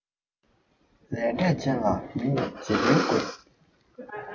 ལས འབྲས ཅན ལ མི ཡི རྗེ དཔོན སྐོས